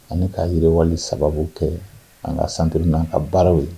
Ani k'a yiriwale sababu kɛ an ka santeri n an ka baara ye